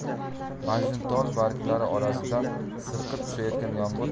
majnuntol barglari orasidan sirqib tushayotgan yomg'ir